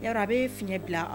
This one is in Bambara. Ya a bɛ e fiɲɛ bila